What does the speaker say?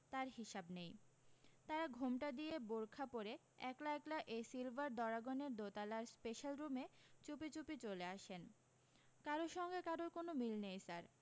তার হিসাব নেই তারা ঘোমটা দিয়ে বোরখা পরে একলা একলা এই সিলভার ডরাগনের দোতলার স্পেশাল রুমে চুপি চুপি চলে আসেন কারুর সঙ্গে কারুর কোনো মিল নেই স্যার